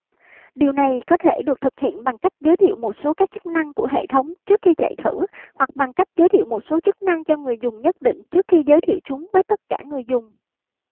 điều này có thể được thực hiện bằng cách giới thiệu một số các chức năng của hệ thống trước khi chạy thử hoặc bằng cách giới thiệu một số chức năng cho người dùng nhất định trước khi giới thiệu chúng với tất cả người dùng